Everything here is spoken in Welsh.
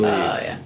O ia.